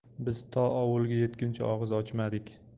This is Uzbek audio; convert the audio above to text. biz to ovulga yetguncha og'iz ochmadik